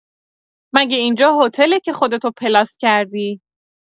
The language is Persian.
مگه اینجا هتله که خودتو پلاس کردی